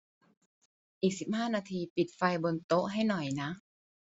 อีกสิบห้านาทีปิดไฟบนโต๊ะให้หน่อยนะ